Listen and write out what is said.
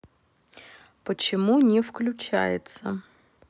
почему не включается